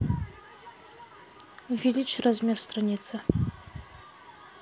увеличь размер страницы